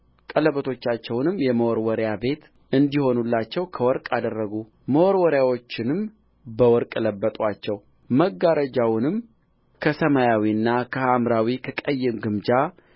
ቀለበቶቻቸውንም የመወርወሪያ ቤት እንዲሆኑላቸው ከወርቅ አደረጉ መወርወሪያዎቹንም በወርቅ ለበጡአቸው መጋረጃውንም ከሰማያዊና ከሐምራዊ ከቀይም ግምጃ